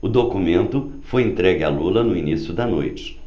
o documento foi entregue a lula no início da noite